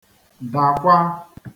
dàkwa